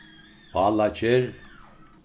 álaker